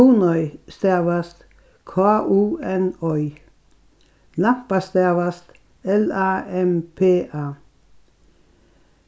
kunoy stavast k u n oy lampa stavast l a m p a